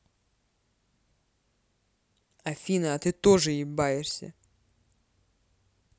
афина а ты тоже ебаешься